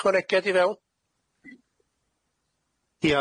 Ychwanegiad i fewn?